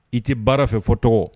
I tɛ baara fɛ fɔ tɔgɔ